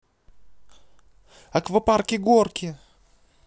аквапарк и горки